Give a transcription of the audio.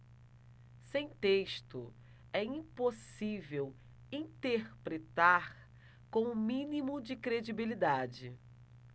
sem texto é impossível interpretar com o mínimo de credibilidade